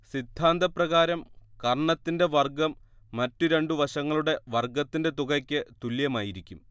സിദ്ധാന്തപ്രകാരം കർണ്ണത്തിന്റെ വർഗ്ഗം മറ്റുരണ്ടുവശങ്ങളുടെ വർഗ്ഗത്തിന്റെ തുകക്ക് തുല്യമായിരിക്കും